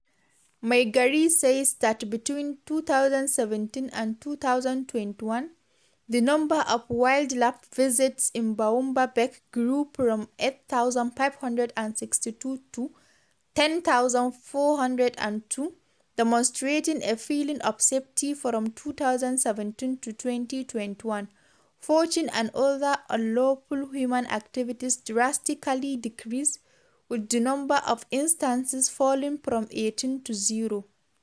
Meigari says that between 2017 and 2021, the number of wildlife visits in Boumba Bek grew from 8,562 to 10,402, demonstrating a feeling of safety: “From 2017 to 2021, poaching and other unlawful human activities drastically decreased, with the number of instances falling from 18 to 0.